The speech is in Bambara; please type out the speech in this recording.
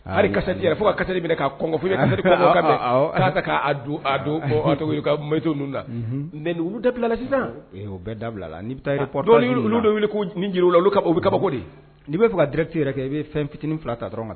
Halisɛ yɛrɛ fo kasɛ minɛ kaɔnf ala k'a don a dont ninnu la n olu de bilala sisan o bɛɛ da bilala bɛ taa olu wili jeliw la bɛ kaba bɔ di n'i b'a fɔ ka dɛrɛti yɛrɛ kɛ i bɛ fɛn fitini fila ta dɔrɔn kan